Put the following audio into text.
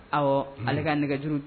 Ɔ ale k kaa nɛgɛjuru